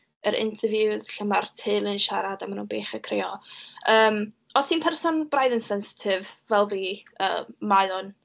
Yr interviews lle ma'r teulu'n siarad, a maen nhw'n beichio crio. Yym, os ti'n person braidd yn sensitif fel fi, yy, mae o'n...